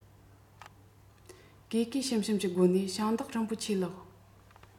གུས གུས ཞུམ ཞུམ གྱི སྒོ ནས ཞིང བདག རིན པོ ཆེ ལགས